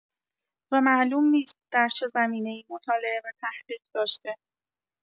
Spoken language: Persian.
و معلوم نیست در چه زمینه‌ای مطالعه و تحقیق داشته